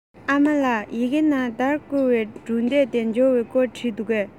ཨ མ ལགས ཡི གེ ནང ཟླ བསྐུར བའི སྒྲུང དེབ དེ འབྱོར བའི སྐོར བྲིས འདུག གས